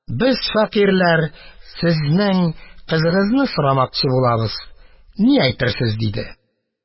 Без, фәкыйрьләр, сезнең кызыгызны сорамакчы булабыз, ни әйтерсез? – диде.